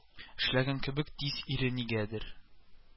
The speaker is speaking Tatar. Эшләгән кебек, тик ире нигәдер